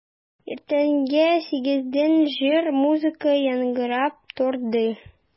Иртәнге сигездән җыр, музыка яңгырап торды.